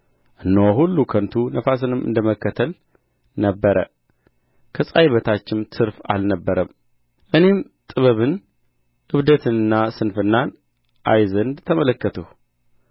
እነሆ ሁሉ ከንቱ ነፋስንም እንደ መከተል ነበር ከፀሐይ በታችም ትርፍ አልነበረም እኔም ጥበብን ዕብደትንና ስንፍናን አይ ዘንድ ተመለከትሁ